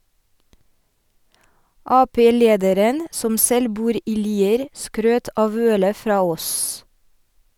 Ap-lederen, som selv bor i Lier, skrøt av ølet fra Aass.